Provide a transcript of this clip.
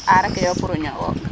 aar ake yo pour o ñoow o